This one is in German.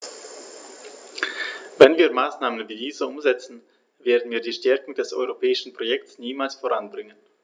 Wenn wir Maßnahmen wie diese umsetzen, werden wir die Stärkung des europäischen Projekts niemals voranbringen.